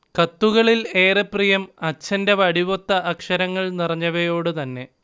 കത്തുകളിൽ ഏറെ പ്രിയം അച്ഛന്റെ വടിവൊത്ത അക്ഷരങ്ങൾ നിറഞ്ഞവയോട് തന്നെ